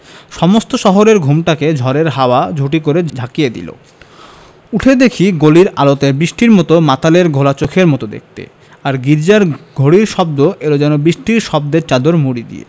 সমস্ত শহরের ঘুমটাকে ঝড়ের হাওয়া ঝুঁটি ধরে ঝাঁকিয়ে দিলে উঠে দেখি গলির আলোটা বৃষ্টির মধ্যে মাতালের ঘোলা চোখের মত দেখতে আর গির্জ্জের ঘড়ির শব্দ এল যেন বৃষ্টির শব্দের চাদর মুড়ি দিয়ে